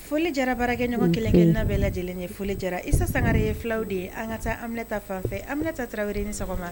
Foli jara baarakɛɲɔgɔn kelen kelenina bɛɛ lajɛ lajɛlen ye foli jara isa sangare ye fulaw de ye an ka taa an minɛta fanfɛ an minɛ ta tarawele ni sɔgɔma